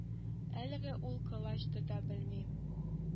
Әлегә ул кылач тота белми